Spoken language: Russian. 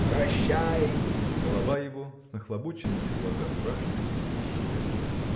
Прощай!" Голова его, с нахлобученной на глаза фуражкой, исчезла.